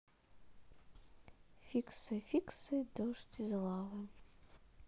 фиксай фиксай дождь из лавы